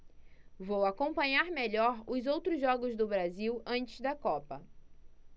vou acompanhar melhor os outros jogos do brasil antes da copa